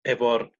efo'r